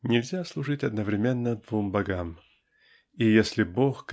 Нельзя служить одновременно двум богам и если Бог